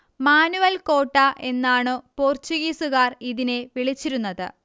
manual കോട്ട എന്നാണു പോർച്ചുഗീസുകാർ ഇതിനെ വിളിച്ചിരുന്നത്